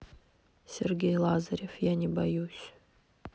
сергей лазарев я не боюсь